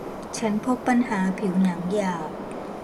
ฉันพบปัญหาผิวหนังหยาบ